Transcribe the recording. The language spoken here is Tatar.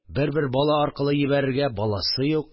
Бер-бер бала аркылы җибәрергә – баласы юк